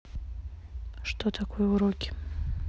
что такое уроки